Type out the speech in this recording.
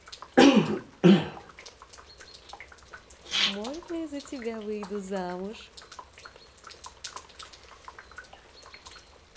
можно я за тебя выйду замуж